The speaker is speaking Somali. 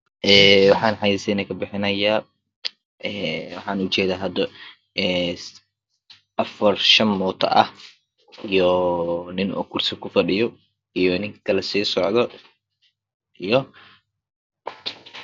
Een waxa xaysinkabixinaya een waxa ujeda hada een afar shan motah iyo niman kursi kufadgiyo iyo Nika kale siisocdo iyoh